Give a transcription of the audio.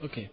ok